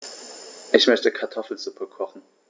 Ich möchte Kartoffelsuppe kochen.